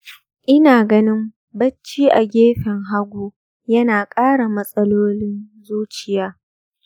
ina ganin bacci a gefen hagu yana ƙara matsalolin zuciya.